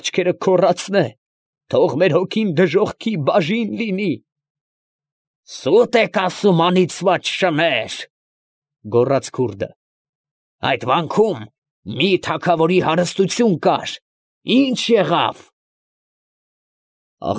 Աչքերը քոռացնե, թո՛ղ մեր հոգին դժոխքի բաժին լինի։ ֊ Սո՛ւտ եք ասում, անիծված շներ, ֊ գոռաց քուրդը,֊այդ վանքում մի թագավորի հարստություն կար. ի՞նչ եղավ։ ֊